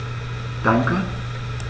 Danke.